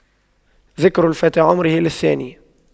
ذكر الفتى عمره الثاني